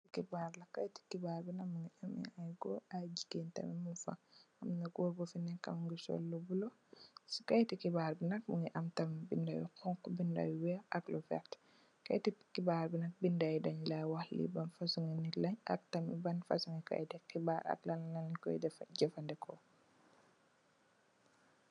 Xibaar la, kayiti xibaar yi mu ngi am góor ak jigéen tamit, ñung fa, góor gusi neekë ga sol lu bulo. Kayiti xibaar yi nak..,am tam bindë yu xoñxu, lu weex ak lu werta. Kayiti xibaar bi nak, bindë yi dañ lay wax ban fasoñ kayiti xibaar la ak lan leñ koy gifendeku